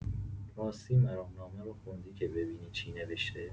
راستی مرامنامه رو خوندی که ببینی چی نوشته؟